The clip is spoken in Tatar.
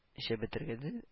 Эчеп бетергеде